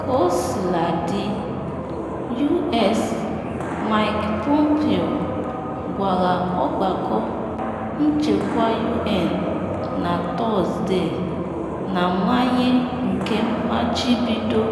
Kosiladị, U.S Mike Pompeo gwara Ọgbakọ Nchekwa U,N Na Tọsde na “Mmanye nke mmachibido